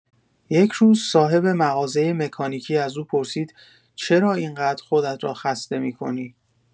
یک روز، صاحب مغازۀ مکانیکی از او پرسید: «چرا این‌قدر خودت را خسته می‌کنی؟»